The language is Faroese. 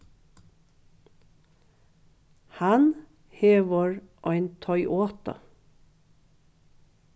hann hevur ein toyota